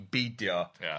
i beidio... Ia